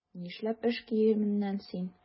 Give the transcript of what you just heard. Нишләп эш киеменнән син?